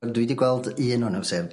On' dwi 'di gweld un o n'w sef...